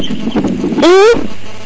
i